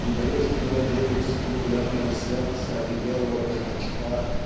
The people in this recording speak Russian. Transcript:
Небрежный владелец влюбленного сердца и белого башмачка